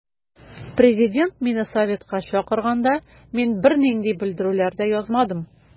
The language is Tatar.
Президент мине советка чакырганда мин бернинди белдерүләр дә язмадым.